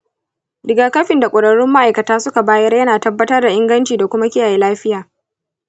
rigakafin da kwararrun ma’aikata suka bayar yana tabbatar da inganci da kuma kiyaye lafiya.